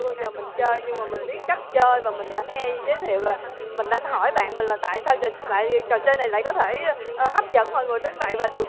chưa bao giờ mình chơi nhưng mà mình biết cách chơi và mình đã nghe giới thiệu rồi mình đã hỏi bạn mình là tại sao lại trò chơi này lại có thể hấp dẫn mọi người đến vậy và được